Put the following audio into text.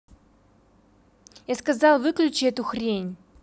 я сказал выключи эту хрень